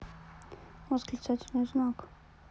восклицательный знак